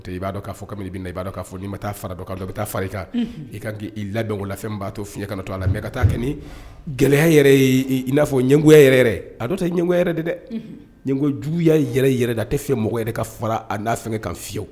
N i b'a' fɔ i bɛ na i b' dɔn fɔ ni taa fara dɔn dɔn ka taa fara kan i kan i la la fɛn b'a to fi to a la mɛ ka taa kɛ gɛlɛyaya yɛrɛ i n'a fɔ ɲɛgo yɛrɛ a dɔ tɛ ɲɛgo de dɛ n ko juguyaya yɛrɛ yɛrɛ da a tɛ fɛn mɔgɔ yɛrɛ ka fara a n'a fɛ ka fiɲɛyewu